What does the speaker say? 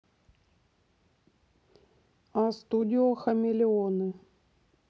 а студио хамелеоны